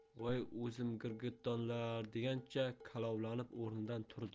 voy o'zim girgittonlar degancha kalovlanib o'rnidan turdi